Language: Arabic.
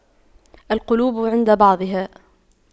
القلوب عند بعضها